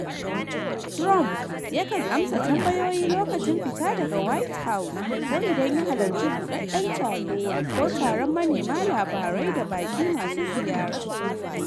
Trump yakan amsa tambayoyi lokacin fita daga White House ko idan ya hallarci budaden taro ko taron manema labarai da baki masu ziyara.